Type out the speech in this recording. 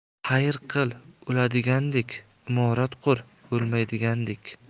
xayr qil o'ladigandek imorat qur o'lmaydigandek